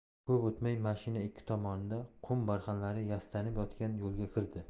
ko'p o'tmay mashina ikki tomonida qum barxanlari yastanib yotgan yo'lga kirdi